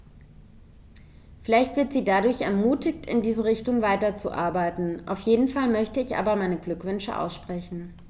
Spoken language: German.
Vielleicht wird sie dadurch ermutigt, in diese Richtung weiterzuarbeiten, auf jeden Fall möchte ich ihr aber meine Glückwünsche aussprechen.